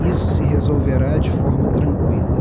isso se resolverá de forma tranqüila